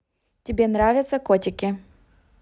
тебе нравятся котики